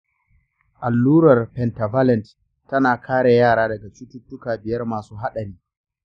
allurar pentavalent tana kare yara daga cututtuka biyar masu haɗari.